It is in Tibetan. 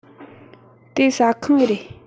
དེ ཟ ཁང ཨེ རེད